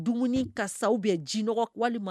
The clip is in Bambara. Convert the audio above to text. Dumuni ka sa bɛ jiɲɔgɔn walima